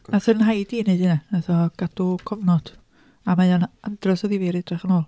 Wnaeth 'y nhaid i wneud hynna wnaeth o gadw cofnod. A mae o'n andros o ddifyr i edrych yn ôl.